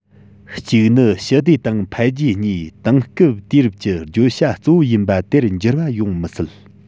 གཅིག ནི ཞི བདེ དང འཕེལ རྒྱས གཉིས དེང སྐབས དུས རབས ཀྱི བརྗོད བྱ གཙོ བོ ཡིན པ དེར འགྱུར བ ཡོང མི སྲིད